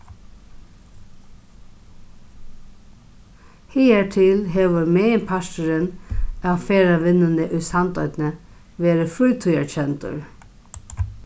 higartil hevur meginparturin av ferðavinnuni í sandoynni verið frítíðarkendur